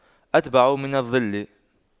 أتبع من الظل